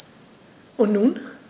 Und nun?